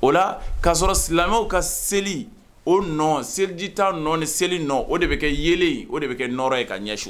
o la k'a sɔrɔ silamɛw ka seli o nɔ selijita nɔɔni seli nɔ o de bɛ kɛ ye o de bɛ kɛ nɔrɔ ye ka ɲɛsu